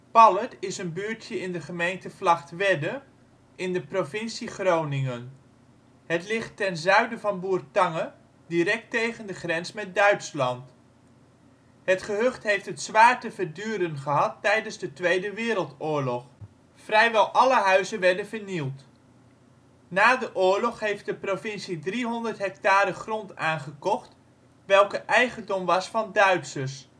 Pallert is een buurtje in de gemeente Vlagtwedde in de provincie Groningen. Het ligt ten zuiden van Bourtange, direct tegen de grens met Duitsland. Het gehucht heeft het zwaar te verduren gehad tijdens de Tweede Wereldoorlog. Vrijwel alle huizen werden vernield. Na de oorlog heeft de provincie 300 hectare grond aangekocht welke eigendom was van Duitsers